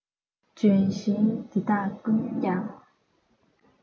ལྗོན ཤིང འདི དག ཀུན ཀྱང